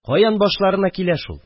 Каян башларына килә шул